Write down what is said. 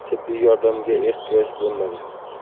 tibbiy yordamga ehtiyoj bo'lmagan